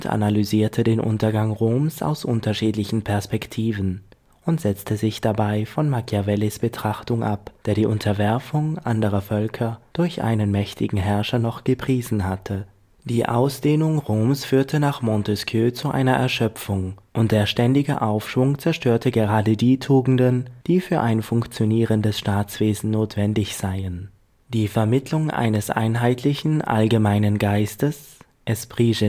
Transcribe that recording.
analysierte den Untergang Roms aus unterschiedlichen Perspektiven und setzte sich dabei von Machiavellis Betrachtung ab, der die Unterwerfung anderer Völker durch einen mächtigen Herrscher noch gepriesen hatte. Die Ausdehnung Roms führte nach Montesquieu zu einer Erschöpfung, und der ständige Aufschwung zerstörte gerade die Tugenden, die für ein funktionierendes Staatswesen notwendig seien. Die Vermittlung eines einheitlichen „ allgemeinen Geistes “(esprit